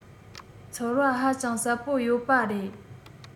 ཚོར བ ཧ ཅང ཟབ པོ ཡོད པ རེད